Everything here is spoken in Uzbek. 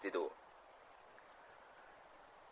dedi u